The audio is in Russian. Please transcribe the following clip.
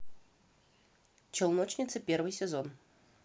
челночницы первый сезон